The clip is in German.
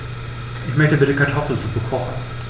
Ich möchte bitte Kartoffelsuppe kochen.